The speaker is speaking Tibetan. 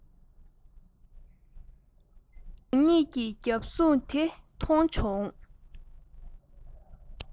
རང ཉིད ཀྱི རྒྱབ གཟུགས དེ མཐོང བྱུང